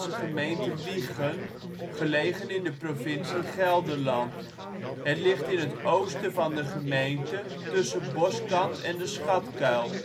gelegen in de provincie Gelderland. Het ligt in het oosten van de gemeente tussen Boskant en De Schatkuil